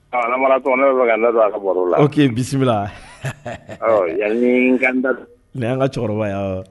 La k' bisimila yan an ka cɛkɔrɔba wa